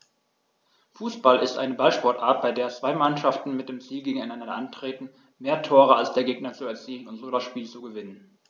Fußball ist eine Ballsportart, bei der zwei Mannschaften mit dem Ziel gegeneinander antreten, mehr Tore als der Gegner zu erzielen und so das Spiel zu gewinnen.